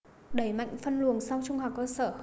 đẩy mạnh phân luồng sau trung học cơ sở